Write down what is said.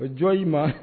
O jɔn i ma!